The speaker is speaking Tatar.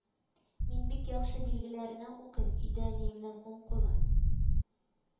Мин бик яхшы билгеләренә укыйм, өйдә әниемнең уң кулы